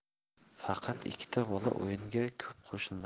faqat ikkita bola o'yinga ko'p qo'shilmasdi